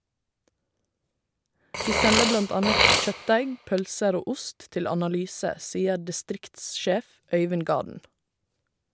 - Vi sender blant annet kjøttdeig, pølser og ost til analyse, sier distriktssjef Øivind Gaden.